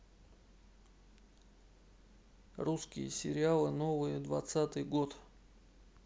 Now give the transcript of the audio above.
русские сериалы новые двадцатый год